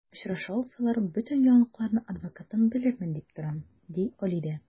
Очраша алсалар, бөтен яңалыкларны адвокаттан белермен дип торам, ди Алидә.